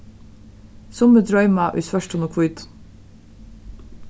summi droyma í svørtum og hvítum